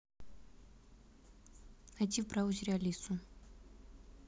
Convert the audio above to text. найди в браузере алису